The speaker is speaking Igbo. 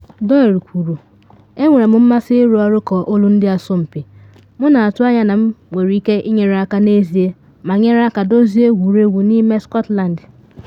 Doyle kwuru: “Enwere m mmasị ịrụ ọrụ ka olu ndị asọmpi, m na atụ anya na m nwere ike ịnyere aka n’ezie ma nyere aka duzie egwuregwu n’ime Scotland.”